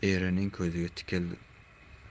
erining ko'ziga tikilib